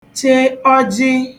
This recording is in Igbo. che ọjị̀